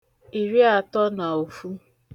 ìriàtọ na ofu